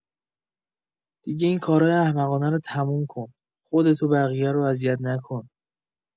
دیگه این کارای احمقانه رو تموم کن، خودت و بقیه رو اذیت نکن.